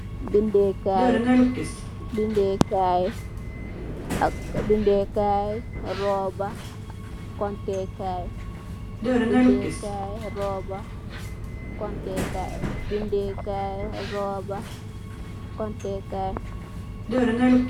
Bindeh Kai, rubber , konteh Kai.